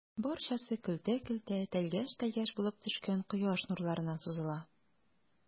Барчасы көлтә-көлтә, тәлгәш-тәлгәш булып төшкән кояш нурларына сузыла.